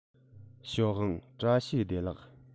ཞའོ ཝང བཀྲ ཤིས བདེ ལེགས